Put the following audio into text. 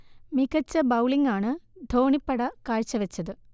മികച്ച ബൗളിംഗ് ആണ് ധോണിപ്പട കാഴ്ച വെച്ചത്